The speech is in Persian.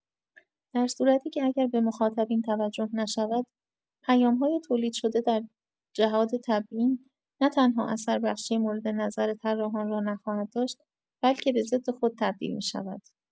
در صورتی که اگر به مخاطبین توجه نشود پیام‌های تولید شده در جهاد تبیین، نه‌تنها اثربخشی موردنظر طراحان را نخواهد داشت، بلکه به ضد خود تبدیل می‌شود.